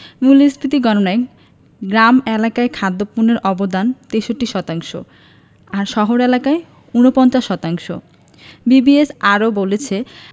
মূল্যস্ফীতি গণনায় গ্রাম এলাকায় খাদ্যপণ্যের অবদান ৬৩ শতাংশ আর শহর এলাকায় ৪৯ শতাংশ বিবিএস আরও বলছে